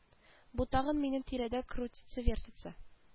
Бу тагын минем тирәдә крутится-вертится